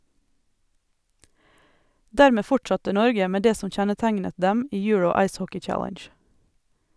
Dermed fortsatte Norge med det som kjennetegnet dem i Euro Ice Hockey Challenge.